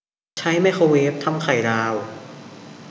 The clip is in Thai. ใช้ไมโครเวฟทำไข่ดาว